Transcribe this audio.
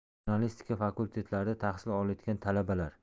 jurnalistika fakultetlarida tahsil olayotgan talabalar